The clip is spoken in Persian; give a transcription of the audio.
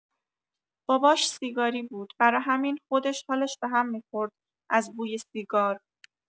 باباش سیگاری بود، برا همین خودش حالش به هم می‌خورد از بوی سیگار!